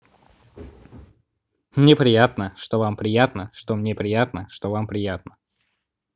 мне приятно что вам приятно что мне приятно что вам приятно